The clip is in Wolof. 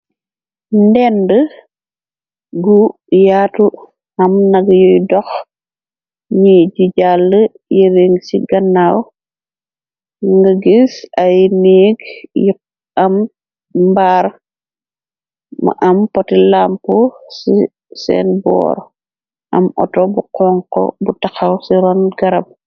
Mbenda gu yaatu am nag yuy dox ñi ji jàll yering ci gannaaw nga gis ay neeg yi am mbaar ma am poti lamp ci seen boor am auto bu xonko bu taxaw ci ron garab.